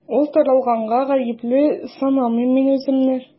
Ул таралганга гаепле саныймын мин үземне.